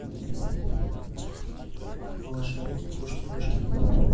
малышарики кошки мышки